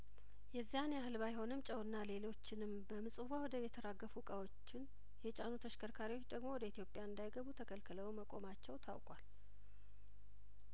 የዚያን ያህል ባይሆኑም ጨውና ሌሎችንም በምጽዋ ወደብ የተራገፉ እቃዎችን የጫኑ ተሽከርካሪዎች ደግሞ ወደ ኢትዮጵያ እንዳይገቡ ተከልክለው መቆማቸው ታውቋል